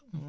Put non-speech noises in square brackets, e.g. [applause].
[hesitation]